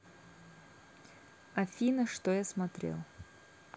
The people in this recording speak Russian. афина что я смотрел